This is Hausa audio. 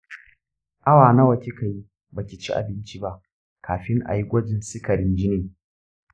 awa nawa kika yi baki ci abinci ba kafin ayi gwajin sikarin jinin?